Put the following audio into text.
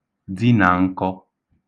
dīnà n̄kọ̄